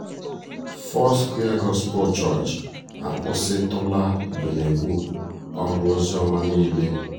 Foursquare Gospel Church akwusịtụla Igbenegbu "ọrụ oziọma niile".